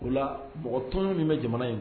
O la mɔgɔ tɔnɲɔ min bɛ jamana in